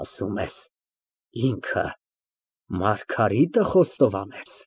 Ասում ես, ինքը, Մարգարի՞տը խոստովանեց։